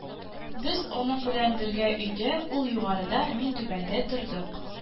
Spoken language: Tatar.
Без аның белән бер өйдә: ул югарыда, мин түбәндә тордык